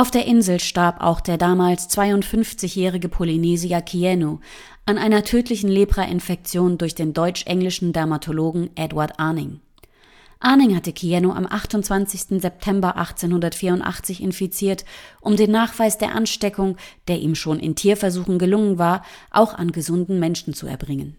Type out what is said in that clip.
der Insel starb auch der damals 52-jährige Polynesier Keanu an einer tödlichen Leprainfektion durch den deutsch-englischen Dermatologen Eduard Arning. Arning hatte Keanu am 28. September 1884 infiziert, um den Nachweis der Ansteckung, der ihm schon in Tierversuchen gelungen war, auch an gesunden Menschen zu erbringen